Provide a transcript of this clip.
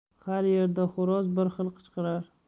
har yerda xo'roz bir xil qichqirar